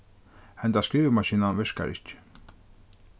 hendan skrivimaskinan virkar ikki